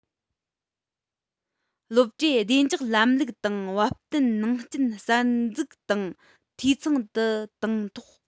སློབ གྲྭས བདེ འཇགས ལམ ལུགས དང བབ བསྟུན ནང རྐྱེན གསར འཛུགས དང འཐུས ཚང དུ བཏང ཐོག